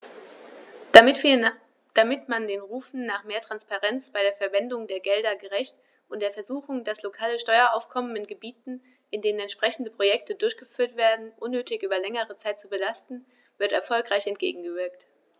Damit wird man den Rufen nach mehr Transparenz bei der Verwendung der Gelder gerecht, und der Versuchung, das lokale Steueraufkommen in Gebieten, in denen entsprechende Projekte durchgeführt werden, unnötig über längere Zeit zu belasten, wird erfolgreich entgegengewirkt.